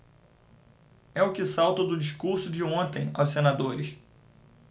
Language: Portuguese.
é o que salta do discurso de ontem aos senadores